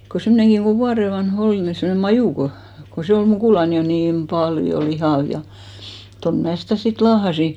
kun semmoinenkin kun vuoden vanha oli niin semmoinen Maju kun kun se oli mukulana jo niin paljon lihava ja ja tuonne minä sitä sitten laahasin